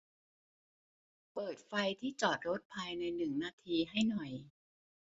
เปิดไฟที่จอดรถภายในหนึ่งนาทีให้หน่อย